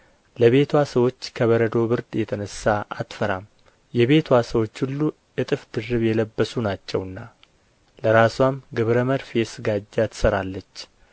ለቤትዋ ሰዎች ከበረዶ ብርድ የተነሣ አትፈራም የቤትዋ ሰዎች ሁሉ እጥፍ ድርብ የለበሱ ናቸውና ለራስዋም ግብረ መርፌ ስጋጃ ትሠራለች